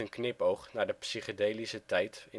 knipoog naar de psychedelische tijd